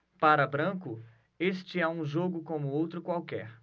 para branco este é um jogo como outro qualquer